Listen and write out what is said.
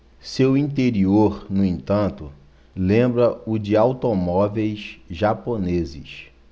seu interior no entanto lembra o de automóveis japoneses